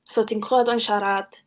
So ti'n clywed o'n siarad.